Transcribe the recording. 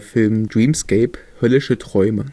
Dreamscape – Höllische Träume